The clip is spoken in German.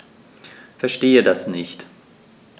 Verstehe das nicht.